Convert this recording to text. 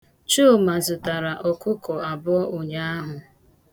Chuma zụtara ọkụkọ abụọ ụnyaahụ.